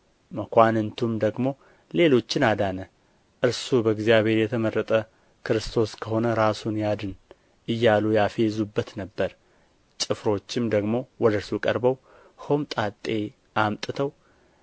መኳንንቱም ደግሞ ሌሎችን አዳነ እርሱ በእግዚአብሔር የተመረጠው ክርስቶስ ከሆነ ራሱን ያድን እያሉ ያፌዙበት ነበር ጭፍሮችም ደግሞ ወደ እርሱ ቀርበው ሆምጣጤም አምጥተው